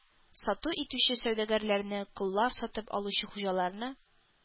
Сату итүче сәүдәгәрләрне, коллар сатып алучы хуҗаларны